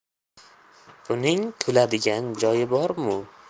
buning kuladigan joyi bormi